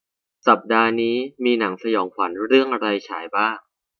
สัปดาห์นี้มีหนังสยองขวัญเรื่องอะไรฉายบ้าง